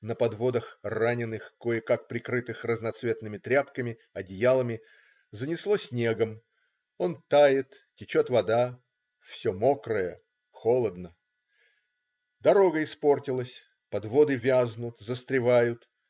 На подводах - раненых, кое-как прикрытых разноцветными тряпками, одеялами, занесло снегом, он тает, течет вода. все мокрое. холодно. Дорога испортилась. Подводы вязнут, застревают.